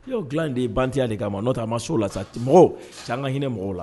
o dilan de bandit ya de kama nɔntɛ a ma se o la sa mɔgɔw cɛ an ka hinɛ mɔgɔw la